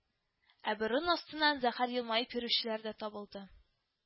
Ә борын астыннан зәһәр елмаеп йөрүчеләр дә табылды